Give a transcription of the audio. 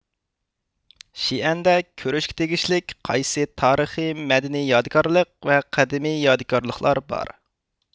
شىئەندە كۆرۈشكە تېگىشلىك قايسى تارىخىي مەدەنىي يادىكارلىق ۋە قەدىمىي يادىكارلىقلار بار